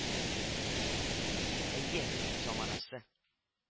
—әйе, заманасы…